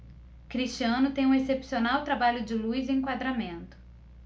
cristiano tem um excepcional trabalho de luz e enquadramento